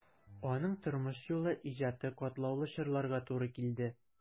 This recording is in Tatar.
Аның тормыш юлы, иҗаты катлаулы чорларга туры килде.